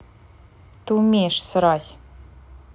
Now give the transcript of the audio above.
ты умеешь срать